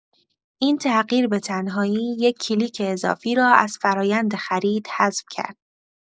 این تغییر به‌تنهایی یک کلیک اضافی را از فرآیند خرید حذف کرد.